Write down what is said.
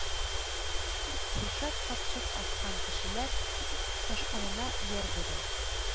Рушад капчык аскан кешеләр ташкынына иярде дә